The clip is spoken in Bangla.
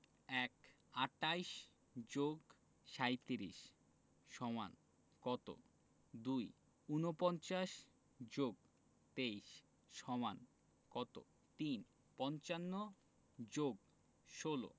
১ ২৮ + ৩৭ = কত ২ ৪৯ + ২৩ = কত ৩ ৫৫ + ১৬